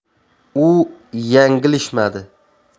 u yanglishmadi